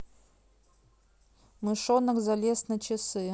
мышонок залез на часы